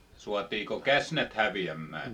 saatiinko känsät häviämään